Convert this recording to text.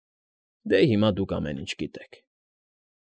Դե, հիմա դուք ամեն ինչ գիտեք։